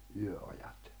yöajat